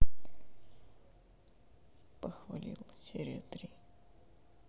похвалил серия три